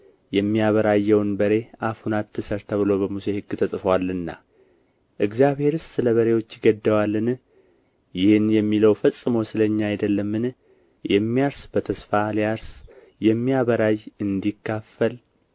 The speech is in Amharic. የሚያበራየውን በሬ አፉን አትሰር ተብሎ በሙሴ ሕግ ተጽፎአልና እግዚአብሔርስ ስለ በሬዎች ይገደዋልን ይህን የሚለው ፈጽሞ ስለ እኛ አይደለምን የሚያርስ በተስፋ ሊያርስ የሚያበራይም እንዲካፈል